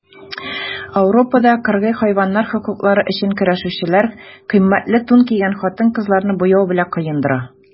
Ауропада кыргый хайваннар хокуклары өчен көрәшүчеләр кыйммәтле тун кигән хатын-кызларны буяу белән коендыра.